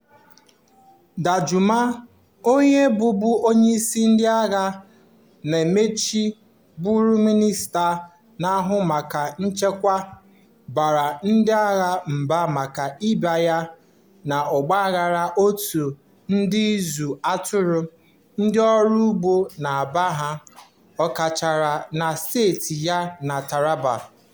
Danjuma, onye bụbu onyeisi ndị agha ma mechaa bụrụ mịnịsta na-ahụ maka nchekwa, baara ndị agha mba maka ịbanye n'ọgbaghara òtù ndị ọzụzụ atụrụ/ndị ọrụ ugbo na mba ahụ, ọ kachasị na steeti ya bụ Taraba.